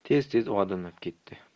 tez tez odimlab ketdi